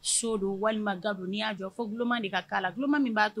So don walima ga don ni y'a jɔ fɔ gloma de ka kala la tuloloma min b'a to